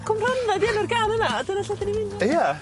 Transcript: Cwm Rhondda ydi enw'r gân yna a dyna lle 'dan ni'n mynd . Ie.